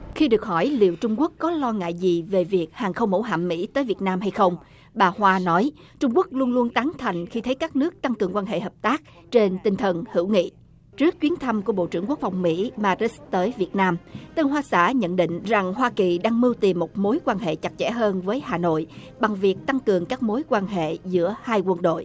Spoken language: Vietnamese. khi được hỏi liệu trung quốc có lo ngại gì về việc hàng không mẫu hạm mỹ tới việt nam hay không bà hoa nói trung quốc luôn luôn cẩn thận khi thấy các nước tăng cường quan hệ hợp tác trên tinh thần hữu nghị trước chuyến thăm của bộ trưởng quốc phòng mỹ ma rít tới việt nam tân hoa xã nhận định rằng hoa kỳ đang mưu tìm một mối quan hệ chặt chẽ hơn với hà nội bằng việc tăng cường các mối quan hệ giữa hai quân đội